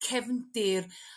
Cefndir?